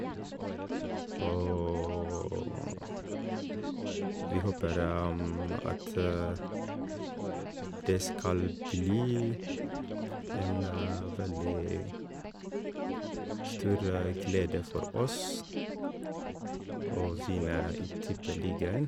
Og vi håper at det skal bli en veldig stor glede for oss å vinne i tippeligaen.